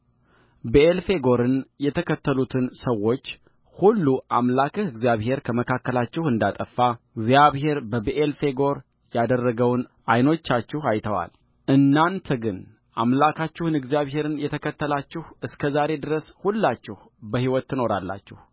ብዔልፌጎርን የተከተሉትን ሰዎች ሁሉ አምላክህ እግዚአብሔር ከመካከላችሁ እንዳጠፋ እግዚአብሔር በብዔልፌጎር ያደረገውን ዓይኖቻችሁ አይተዋልእናንተ ግን አምላካችሁን እግዚአብሔርን የተከተላችሁ እስከ ዛሬ ድረስ ሁላችሁ በሕይወት ትኖራላችሁ